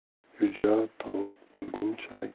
jo'ja tovuq bo'lguncha